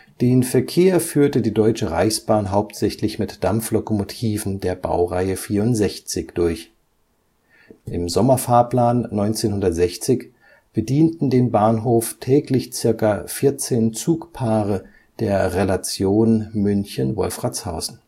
Den Verkehr führte die Deutsche Reichsbahn hauptsächlich mit Dampflokomotiven der Baureihe 64 durch. Im Sommerfahrplan 1960 bedienten den Bahnhof täglich circa 14 Zugpaaren der Relation München – Wolfratshausen